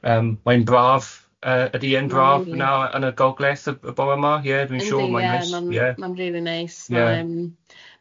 yym mae'n braf yy ydy e'n braf nawr yn y Gogledd y y bore yma ie dwi'n siŵr... yndi ie ma'n ma'n rili neis... Ie.